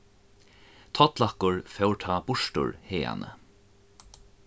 tollakur fór tá burtur haðani